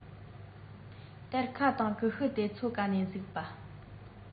སྟར ཁ དང ཀུ ཤུ དེ ཚོ ག ནས གཟིགས པྰ